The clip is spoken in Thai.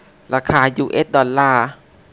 ราคายูเอสดอลล่าร์